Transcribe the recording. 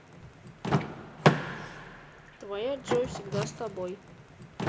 твоя джой всегда с тобой